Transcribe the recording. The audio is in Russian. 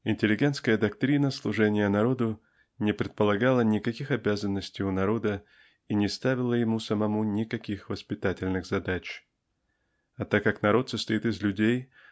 Интеллигентская доктрина служения народу не предполагала никаких обязанностей у народа и не ставила ему самому никаких воспитательных задач. А так как народ состоит из людей